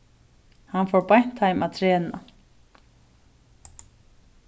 hann fór beint heim at trena